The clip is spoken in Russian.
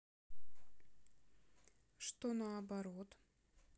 что наоборот